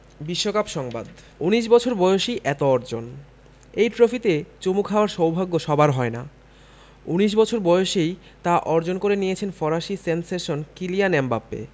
বিশ্বকাপ সংবাদ ১৯ বছর বয়সেই এত অর্জন এই ট্রফিতে চুমু খাওয়ার সৌভাগ্য সবার হয় না ১৯ বছর বয়সেই তা অর্জন করে নিয়েছেন ফরাসি সেনসেশন কিলিয়ান এমবাপ্পে